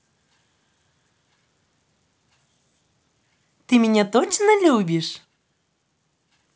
ты меня точно любишь